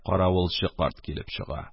Каравылчы карт килеп чыга.